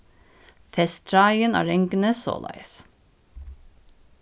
fest tráðin á ranguni soleiðis